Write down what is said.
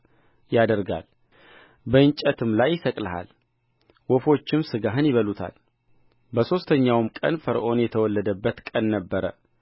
ያደርጋል በእንጨትም ላይ ይሰቅልሃል ወፎችም ሥጋህን ይበሉታል በሦስተኛውም ቀን ፈርዖን የተወለደበት ቀን ነበረ